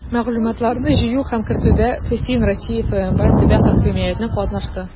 Мәгълүматларны җыю һәм кертүдә ФСИН, Россия ФМБА, төбәк хакимияте катнашты.